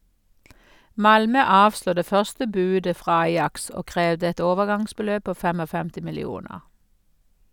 Malmö avslo det første budet fra Ajax og krevde et overgangsbeløp på 55 millioner.